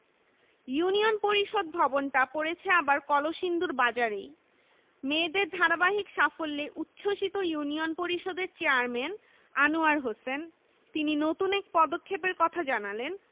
union Parishad ভবনটা পড়েছে আবার কলসিন্দুর বাজারেই মেয়েদের ধারাবাহিক সাফল্যে উচ্ছ্বসিত ইউনিয়ন পরিষদের চেয়ারম্যান আনোয়ার হোসেন তিনি নতুন এক পদক্ষেপের কথা জানালেন